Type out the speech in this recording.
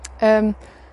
Yym.